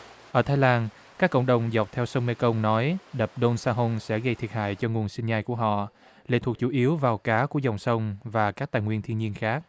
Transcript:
ở thái lan các cộng đồng dọc theo sông mê công nói đập đôn sa hông sẽ gây thiệt hại cho nguồn sinh nhai của họ lệ thuộc chủ yếu vào cá của dòng sông và các tài nguyên thiên nhiên khác